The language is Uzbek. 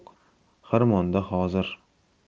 yo'q xirmonda hozir